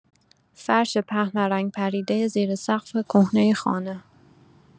فرش پهن و رنگ‌پریده زیر سقف کهنه خانه